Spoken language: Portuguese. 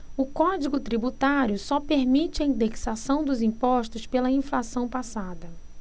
o código tributário só permite a indexação dos impostos pela inflação passada